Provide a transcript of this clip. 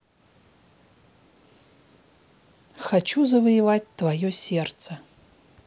хочу завоевать твое сердце